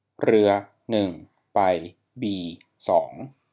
เรือหนึ่งไปบีสอง